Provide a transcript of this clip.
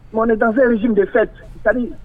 Mɔnin danfɛnsi de fɛ kari